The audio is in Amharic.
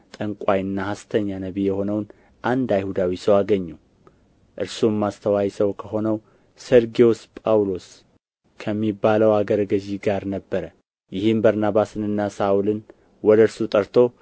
ጠንቋይና ሐሰተኛ ነቢይ የሆነውን አንድ አይሁዳዊ ሰው አገኙ እርሱም አስተዋይ ሰው ከሆነው ሰርግዮስ ጳውሎስ ከሚባለው አገረ ገዥ ጋር ነበረ ይህም በርናባስንና ሳውልን ወደ እርሱ ጠርቶ